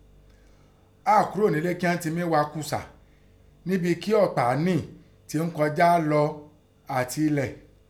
Á à kúò nẹ́ ẹlé kín inán tẹ mí gha kùsà, nẹ́bẹn tẹ́ ọ̀pá ọ̀ún kọ́ mí kọjá lọ àti ẹlẹ̀.